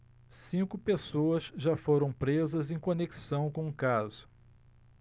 cinco pessoas já foram presas em conexão com o caso